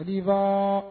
Ayiwa